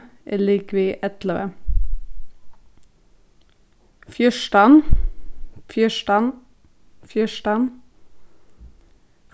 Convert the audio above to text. er ligvið ellivu fjúrtan fjúrtan fjúrtan